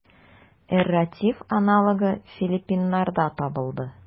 Эрратив аналогы филиппиннарда табылды.